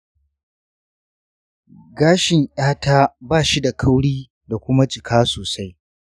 gashin 'yata bashi da kauri da kuma cika sosai.